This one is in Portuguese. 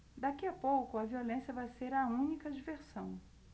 daqui a pouco a violência vai ser a única diversão